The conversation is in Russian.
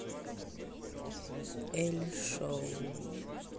элли шоу